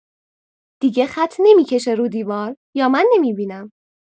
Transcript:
دیگه خط نمی‌کشه رو دیوار یا من نمی‌بینم؟